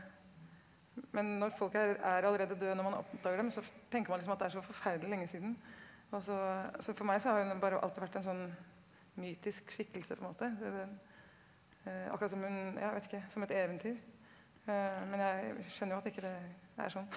men når folk er er allerede døde når man oppdager dem så tenker man liksom at det er så forferdelig lenge siden også så for meg så har hun jo bare alltid vært en sånn mytisk skikkelse på en måte akkurat som hun ja jeg vet ikke som et eventyr men jeg skjønner jo at ikke det er sånn.